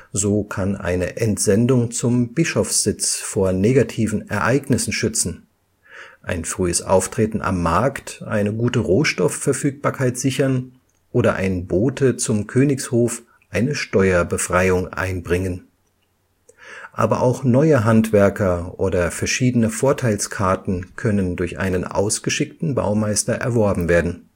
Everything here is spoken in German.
So kann eine Entsendung zum Bischofssitz vor negativen Ereignissen schützen, ein frühes Auftreten am Markt eine gute Rohstoffverfügbarkeit sichern oder ein Bote zum Königshof eine Steuerbefreiung einbringen. Aber auch neue Handwerker oder verschiedene Vorteilskarten können durch einen ausgeschickten Baumeister erworben werden